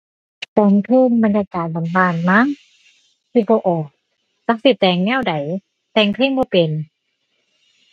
แต่งเพลงบรรยากาศบ้านบ้านมั้ง คิดบ่ออก จักสิแต่งแนวใด แต่งเพลงบ่เป็น